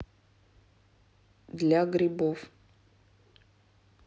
для грибов